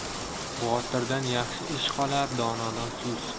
botirdan yaxshi ish qolar donodan so'z